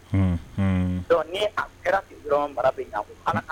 Unhun donc ni a kɛra ten dɔrɔn mara bɛ ɲa